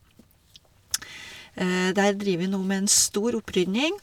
Der driver vi nå med en stor opprydning.